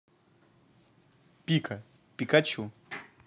пика пикачу